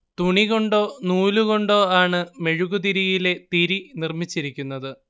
തുണി കൊണ്ടോ നൂലുകൊണ്ടോ ആണ് മെഴുകുതിരിയിലെ തിരി നിർമ്മിച്ചിരിക്കുന്നത്